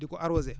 di ko arroser